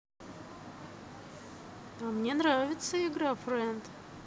а мне нравится игра френд